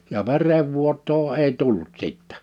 ja verenvuotoa ei tullut sitten